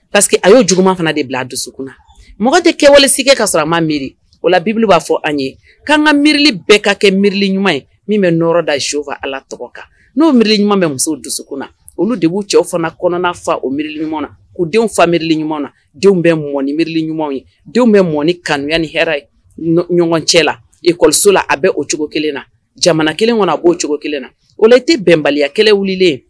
Pa queseke a y'o juguman fana de bila a dusu kunna na mɔgɔ de kɛwalesikɛ ka sɔrɔ a ma miiri wala bibbili b'a fɔ an ye k'an ka miirili bɛɛ ka kɛ miiri ɲuman ye min bɛ nɔrɔ da sufɛ ala tɔgɔ kan n'o miiri ɲuman bɛ muso dusu kunna na olu de b'u cɛw fana kɔnɔna fa o miiri ɲuman na'u denw faa mirili ɲuman na denw bɛ mɔni miiririli ɲuman ye denw bɛ mɔni kanu ni hɛrɛɛ ye ɲɔgɔn cɛ la ikɔliso la a bɛ o cogo kelen na jamana kelen kɔnɔ a b'o cogo kelen na o e tɛ bɛnbaliya kɛlɛ wili